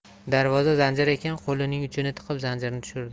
darvoza zanjir ekan qo'lining uchini tiqib zanjirni tushirdi